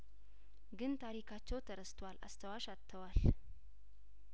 ግን ታሪካቸው ተረስቷል አስታዋሽ አጥተዋል